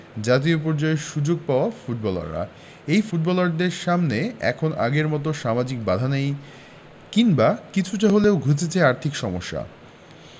জাতীয় পর্যায়ে সুযোগ পাওয়া ফুটবলাররা এই ফুটবলারদের সামনে এখন আগের মতো সামাজিক বাধা নেই কিংবা কিছুটা হলেও ঘুচেছে আর্থিক সমস্যা